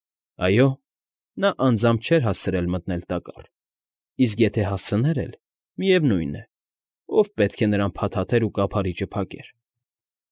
Այո, նա անձամբ չէր հասցրել մտնել տակառ, իսկ եթե հասցներ էլ, միևնույն է, ո՞վ պետք է նրան փաթաթեր ու կափարիչը փակեր։